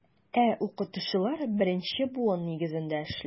Ә укытучылар беренче буын нигезендә эшли.